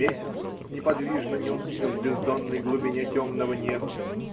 Месяц неподвижно несся в бездонной глубине темного неба